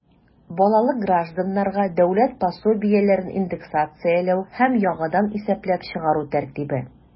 Балалы гражданнарга дәүләт пособиеләрен индексацияләү һәм яңадан исәпләп чыгару тәртибе.